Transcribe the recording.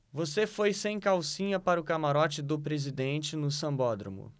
você foi sem calcinha para o camarote do presidente no sambódromo